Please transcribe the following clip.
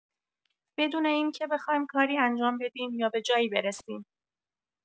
بدون اینکه بخوایم کاری انجام بدیم یا به جایی برسیم.